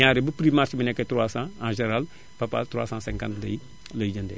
ñaare bu prix marché bi nekkee 300 en général Fapal 350 lay lay jëndee